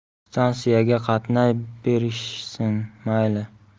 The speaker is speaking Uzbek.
stansiyaga qatnay berishsin mayli